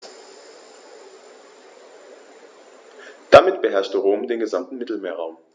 Damit beherrschte Rom den gesamten Mittelmeerraum.